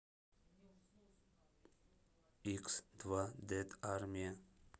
икс два дет армия